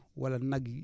wala nag yi